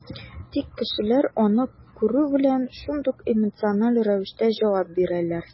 Тик кешеләр, аны күрү белән, шундук эмоциональ рәвештә җавап бирәләр.